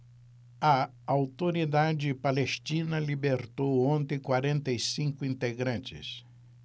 a autoridade palestina libertou ontem quarenta e cinco integrantes